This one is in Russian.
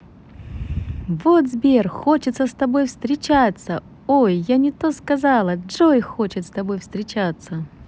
вот сбер хочется с тобой встречаться ой я не то сказала джой хочет с тобой встречаться